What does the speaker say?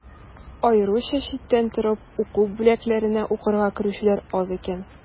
Аеруча читтән торып уку бүлекләренә укырга керүчеләр аз икән.